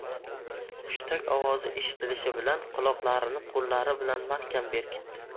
hushtak ovozi eshitilishi bilan quloqlarini qo'llari bilan mahkam berkitdi